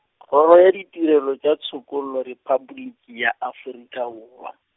Kgoro ya Ditirelo tša Tshokollo Repabliki ya Afrika Borwa.